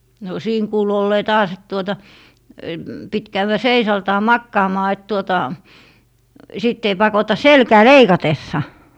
no siinä kuului olleen taas että tuota piti käydä seisaaltaan makaamaan että tuota sitten ei pakota selkää leikatessa